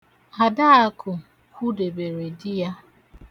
Adakụ kwụdebere di ya.